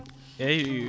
eyyi